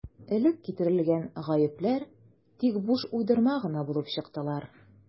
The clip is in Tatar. Элек китерелгән «гаепләр» тик буш уйдырма гына булып чыктылар.